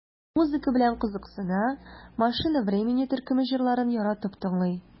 Музыка белән кызыксына, "Машина времени" төркеме җырларын яратып тыңлый.